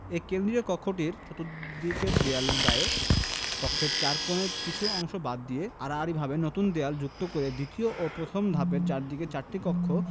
এ কেন্দ্রীয় কক্ষটির চর্তুদিকের দেয়ালের গায়ে কক্ষের চার কোণের কিছু অংশ বাদ দিয়ে আড়াআড়ি ভাবে নতুন দেয়াল যুক্ত করে দ্বিতীয় ও প্রথম ধাপের চারদিকে চারটি কক্ষ